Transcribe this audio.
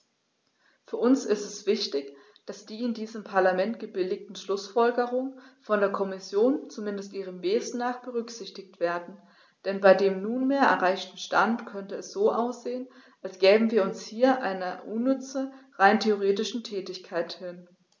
Für uns ist es wichtig, dass die in diesem Parlament gebilligten Schlußfolgerungen von der Kommission, zumindest ihrem Wesen nach, berücksichtigt werden, denn bei dem nunmehr erreichten Stand könnte es so aussehen, als gäben wir uns hier einer unnütze, rein rhetorischen Tätigkeit hin.